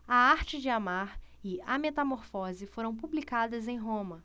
a arte de amar e a metamorfose foram publicadas em roma